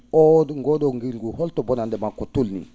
nguu ?oo ngilngu holto bonannde maggu tolnii